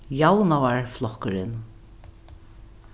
javnaðarflokkurin